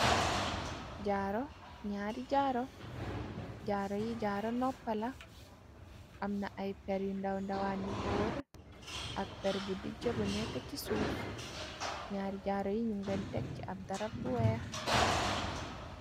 Jaaro nyari jaaro jaaro yi jaaro noppala. Amna ay per yu ndaw ndawaan yu ko wër ak per bu dijjëb nekk. Ci suuf ñaari jaaro yi nun leen teg ci ab darab bu weex.